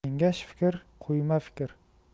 kengash fikr quyma fikr